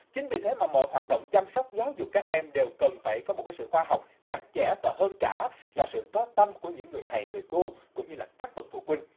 chính vì thế mà mọi hoạt động chăm sóc giáo dục các em đều cần phải có một cái sự khoa học chặt chẽ và hơn cả là sự có tâm của những người thầy người cô cũng như là các bậc phụ huynh